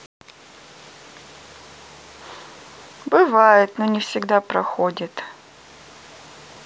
бывает но не всегда проходит